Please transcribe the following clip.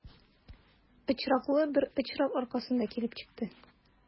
Очраклы бер очрак аркасында килеп чыкты.